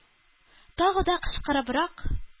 Тагы да кычкырыбрак: